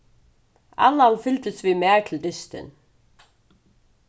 allan fylgdist við mær til dystin